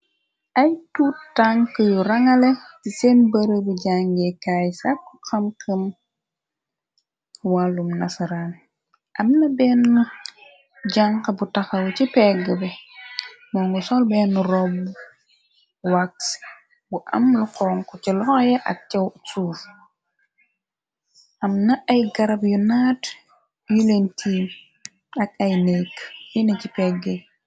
Ay tuu tank yu rangala ci seen bërëbi jangeekaay sàkk xam këm wàllum nasaraan am na benn jànx bu taxaw ci pegg bi moo ngu sol benn rob wox bu am la xonku ci loxoye ak ce suuf am na ay garab yu naat yu leen tiim ak ay nékk yena ci pegg.